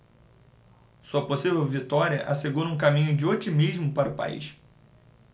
sua possível vitória assegura um caminho de otimismo para o país